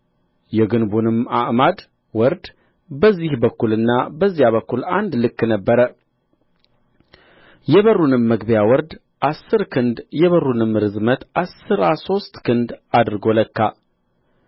የግንቡም አዕማድ ወርድ በዚህ በኩልና በዚያ በኩል አንድ ልክ ነበረ የበሩንም መግቢያ ወርድ አሥር ክንድ የበሩንም ርዝመት አሥራ ሦስት ክንድ አድርጎ ለካ